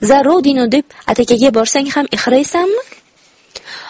za rodinu deb atakaga borsang ham ixraysanmi